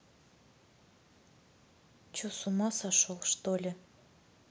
че с ума сошел что ли